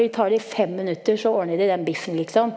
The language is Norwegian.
vi tar det i fem minutter så ordner de den biffen liksom.